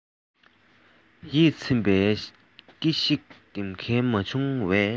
ཡིད ཚིམ པའི ཀི ཞིག འདེབས མཁན མ བྱུང བས